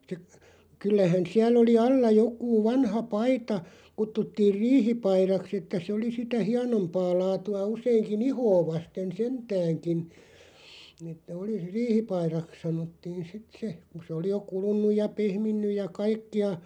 sitten kyllähän siellä oli alla joku vanha paita kutsuttiin riihipaidaksi että se oli sitä hienompaa laatua useinkin ihoa vasten sentäänkin että oli riihipaidaksi sanottiin sitten se kun se oli jo kulunut ja pehminnyt ja kaikkia